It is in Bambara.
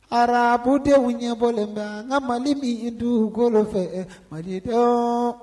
Ararababudenw ɲɛbɔlen nka nka mali min i dukolo fɛ mariadi dɔn